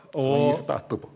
må gispe etterpå.